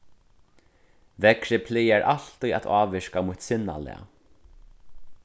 veðrið plagar altíð at ávirka mítt sinnalag